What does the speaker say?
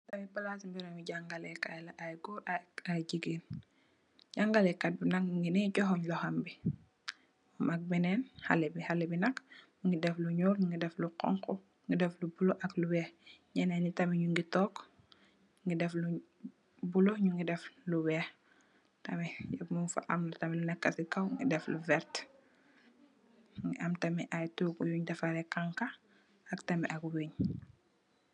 Lii tamit plassi mbirum jaangah leh kaii la, aiiy gorre ak aiiy gigain, jangaleh kat bii nak mungy nii johongh lokhom bii, momak benenn haleh, haleh bii nak mungy def lu njull, mungy def lu honhu, mungy def lu bleu ak lu wekh, njenen njii tamit njungy tok, njungy def lu bleu, njungy def lu wekh tamit, yehp mung fa, amna tamit lu neka cii kaw mungy def lu vertue, mungy am tamit aiiy tohgu yungh defarreh khanka ak tamit ak weungh.